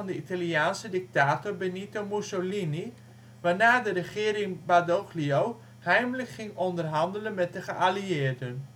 Italiaanse dictator Benito Mussolini, waarna de regering Badoglio heimelijk ging onderhandelen met de geallieerden